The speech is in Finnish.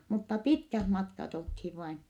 mutta pitkät matkat oltiin vain